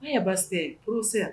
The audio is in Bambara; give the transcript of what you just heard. Anbase pse